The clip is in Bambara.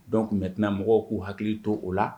Donc maintenant mɔgɔw k'u hakili to o la.